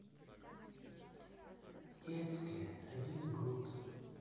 детские один год